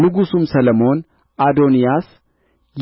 ንጉሡም ሰሎሞን አዶንያስ